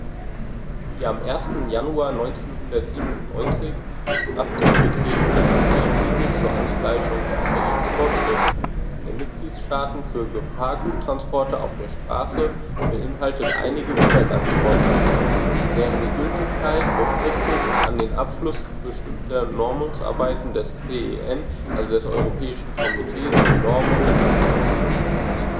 Die am 1. Januar 1997 in Kraft getretene Richtlinie zur Angleichung von Rechtsvorschriften der Mitgliedstaaten für Gefahrguttransporte auf der Straße beinhaltet einige Übergangsvorschriften, deren Gültigkeit befristet und an den Abschluss bestimmter Normungsarbeiten des CEN, also des Europäischen Komitees für Normung, gekoppelt ist.